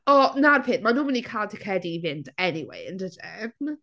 O 'na'r peth, ma' nhw'n mynd i gael ticedi i fynd eniwe yn dydyn?